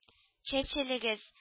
— чәчелегез